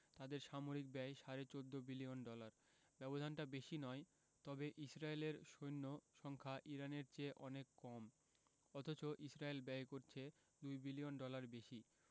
তাদের সামরিক ব্যয় সাড়ে ১৪ বিলিয়ন ডলার ব্যবধানটা বেশি নয় তবে ইসরায়েলের সৈন্য সংখ্যা ইরানের চেয়ে অনেক কম অথচ ইসরায়েল ব্যয় করছে ২ বিলিয়ন ডলার বেশি